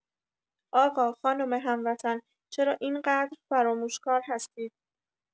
آقا خانم هموطن، چرا اینقدر فراموشکار هستید؟!